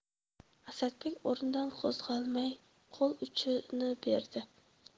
asadbek o'rnidan qo'zg'olmay qo'l uchini berdi